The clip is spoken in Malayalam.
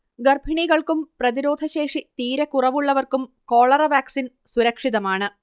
ഗർഭിണികൾക്കും പ്രതിരോധശക്തി തീരെ കുറവുള്ളവർക്കും കോളറ വാക്സിൻ സുരക്ഷിതമാണ്